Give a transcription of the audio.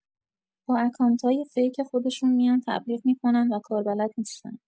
با اکانتای فیک خودشون میام تبلیغ می‌کنن و کاربلد نیستن